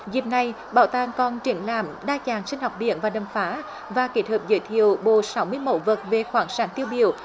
dịp này bảo tàng con triển lãm đa dạng sinh học biển và đầm phá và kết hợp giới thiệu bộ sáu mươi mẫu vật về khoáng sản tiêu biểu